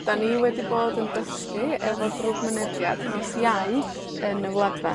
'dan ni wedi bod yn dysgu efo grŵp mynediad nos Iau, yn y wladfa.